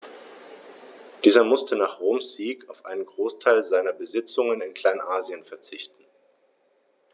Dieser musste nach Roms Sieg auf einen Großteil seiner Besitzungen in Kleinasien verzichten.